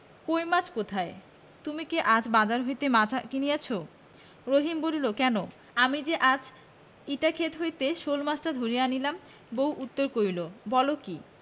কই মাছ কোথায় তুমি কি আজ বাজার হইতে মাছ কিনিয়াছ রহিম বলিল কেন আমি যে আজ ইটা ক্ষেত হইতে শােলমাছটা ধরিয়া আনিলাম বউ উত্তর করিল বল কি